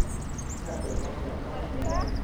แม่ปวดท้องอยากเข้าห้องน้ำ